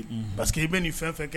Paseke i bɛ nin fɛn kɛ